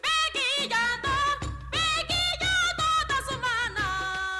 'i jatan p tɛ tɛs la